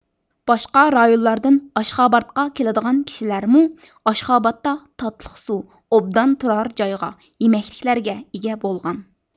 باشقا رايونلاردىن ئاشخاباردقا كېلىدىغان كىشىلەرمۇ ئاشخابادتا تاتلىق سۇ ئوبدان تۇرار جايغا يېمەكلىكلەرگە ئىگە بولغان